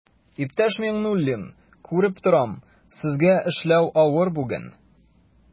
Иптәш Миңнуллин, күреп торам, сезгә эшләү авыр бүген.